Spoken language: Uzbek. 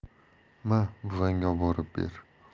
ma buvangga oborib ber